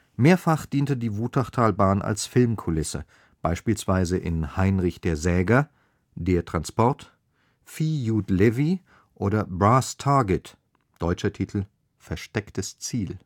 Mehrfach diente die Wutachtalbahn als Filmkulisse, beispielsweise in Heinrich der Säger, Der Transport, Viehjud Levi oder Brass Target (deutscher Titel: Verstecktes Ziel